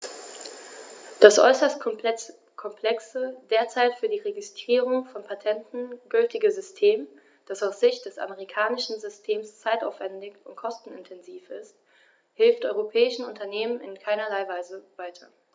Das äußerst komplexe, derzeit für die Registrierung von Patenten gültige System, das aus Sicht des amerikanischen Systems zeitaufwändig und kostenintensiv ist, hilft europäischen Unternehmern in keinerlei Weise weiter.